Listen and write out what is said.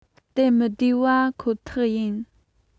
སྟབས མི བདེ བ ཁོ ཐག ཡིན